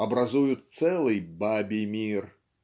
образуют целый "бабий мир"